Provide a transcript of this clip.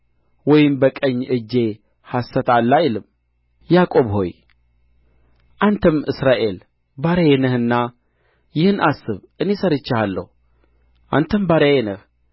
ወይም በቀኝ እጄ ሐሰት አለ አይልም ያዕቆብ ሆይ አንተም እስራኤል ባሪያዬ ነህና ይህን አስብ እኔ ሠርቼሃለሁ አንተም ባሪያዬ ነህ